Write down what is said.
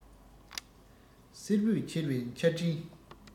བསེར བུས འཁྱེར བའི ཆར སྤྲིན